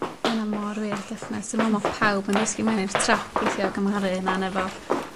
Ma' wnna mor wir definate dwi me'wl ma' pawb yn ddisgyn mewn i'r trap weithia o gymharu hunan efo